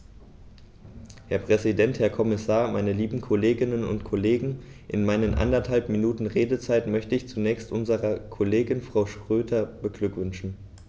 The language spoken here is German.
Herr Präsident, Herr Kommissar, meine lieben Kolleginnen und Kollegen, in meinen anderthalb Minuten Redezeit möchte ich zunächst unsere Kollegin Frau Schroedter beglückwünschen.